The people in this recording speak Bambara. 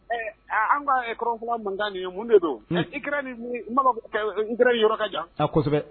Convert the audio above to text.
An k'ɔrɔnkura mun nin ye mun de don i kɛra yɔrɔ ka jan kosɛbɛ